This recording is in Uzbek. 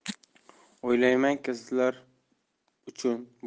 o'ylaymanki sizlar uchun